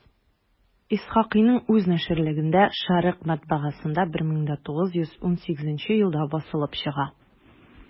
Исхакыйның үз наширлегендә «Шәрекъ» матбагасында 1918 елда басылып чыга.